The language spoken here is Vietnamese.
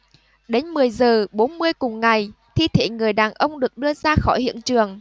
đến mười giờ bốn mươi cùng ngày thi thể người đàn ông được đưa ra khỏi hiện trường